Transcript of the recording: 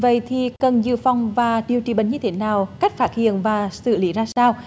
vậy thì cần dự phòng và điều trị bệnh như thế nào cách phát hiện và xử lý ra sao